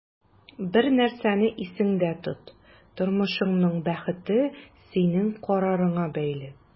Бер нәрсәне исеңдә тот: тормышыңның бәхете синең карарыңа бәйле.